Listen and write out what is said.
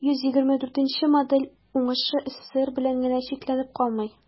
124 нче модель уңышы ссср белән генә чикләнеп калмый.